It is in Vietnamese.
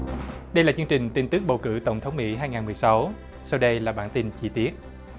đây là chương trình tin tức bầu cử tổng thống mỹ hai ngàn mười sáu sau đây là bản tin chi tiết